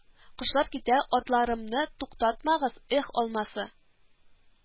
Кошлар китә, Атларымны туктатмагыз, Эх, алмасы